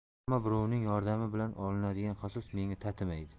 ammo birovning yordami bilan olinadigan qasos menga tatimaydi